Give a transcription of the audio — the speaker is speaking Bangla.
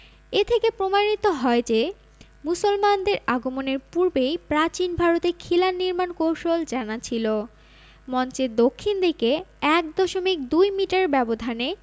এ থেকে প্রমাণিত হয় যে মুসলমানদের আগমনের পূর্বেই প্রাচীন ভারতে খিলান নির্মাণ কৌশল জানা ছিল মঞ্চের দক্ষিণ দিকে ১ দশমিক ২ মিটার ব্যবধানে